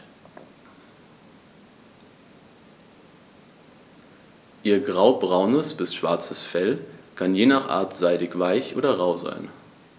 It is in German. Ihr graubraunes bis schwarzes Fell kann je nach Art seidig-weich oder rau sein.